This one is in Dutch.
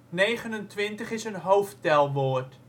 Negenentwintig is een hoofdtelwoord